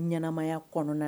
Ɲanamaya kɔnɔna